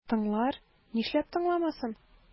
Тыңлар, нишләп тыңламасын?